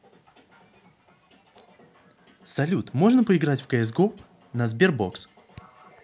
салют можно поиграть в cs go на sberbox